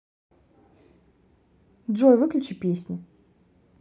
джой выключи песни